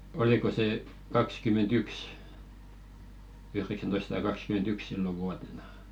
oliko se kaksikymmentäyksi yhdeksäntoista kaksikymmentäyksi silloin vuotena